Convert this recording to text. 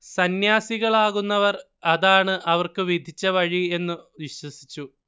സന്യാസികളാകുന്നവർ അതാണ് അവർക്കു വിധിച്ച വഴി എന്നു വിശ്വസിച്ചു